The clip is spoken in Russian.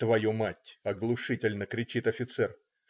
твою мать!" - оглушительно кричит офицер.